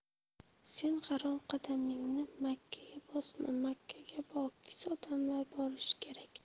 sen harom qadamingni makkaga bosma makkaga pokiza odamlar borishi kerak